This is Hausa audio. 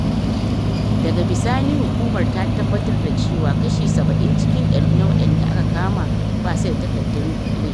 Daga bisani hukumar ta tabbatar da cewar kashi 70 cikin dari na waɗanda aka kama ba su da takardun laifi.